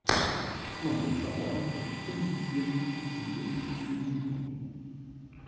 помоги мне пожалуйста что мне делать если девочка не любит меня